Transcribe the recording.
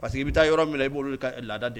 Pa que bɛ taa yɔrɔ min i b'oolu laadada de ye